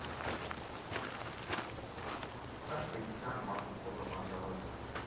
Ըստ էության, մատուցողը վաճառող է.